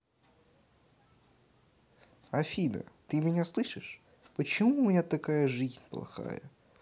афина ты меня слышишь почему у меня такая жизнь плохая